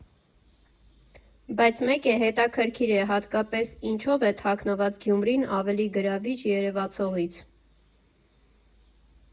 Բայց մեկ է՝ հետաքրքիր է՝ հատկապես ինչո՞վ է թաքնված Գյումրին ավելի գրավիչ երևացողից։